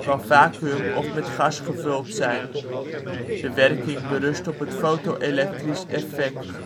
kan vacuüm of met gas gevuld zijn. De werking berust op het foto-elektrisch effect.